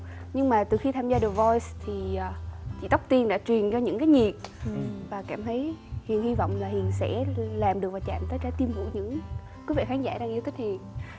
nhưng mà từ khi tham gia giờ voi thì chị tóc tiên đã truyền cho những cái nhiệt và cảm thấy hiền hy vọng là hiền sẽ làm được và chạm tới trái tim của những quý vị khán giả đang yêu thích hiền